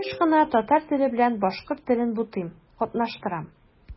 Еш кына татар теле белән башкорт телен бутыйм, катнаштырам.